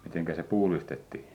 miten se puhdistettiin